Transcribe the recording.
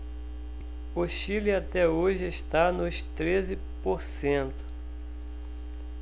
o chile até hoje está nos treze por cento